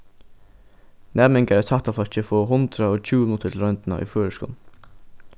næmingar í sætta flokki fáa hundrað og tjúgu minuttir til royndina í føroyskum